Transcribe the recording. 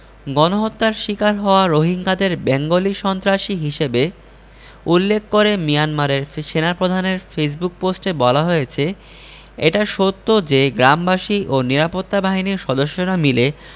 গণহত্যার শিকার হওয়া রোহিঙ্গাদের বেঙ্গলি সন্ত্রাসী হিসেবে উল্লেখ করে মিয়ানমারের সেনাপ্রধানের ফেসবুক পোস্টে বলা হয়েছে এটা সত্য যে গ্রামবাসী ও নিরাপত্তা বাহিনীর সদস্যরা মিলে